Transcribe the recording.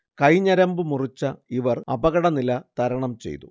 കൈ ഞരമ്പ് മുറിച്ച ഇവർ അപകടനില തരണം ചെയ്തു